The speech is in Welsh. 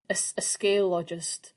...y s- y sgil o jyst